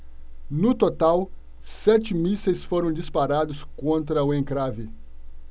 no total sete mísseis foram disparados contra o encrave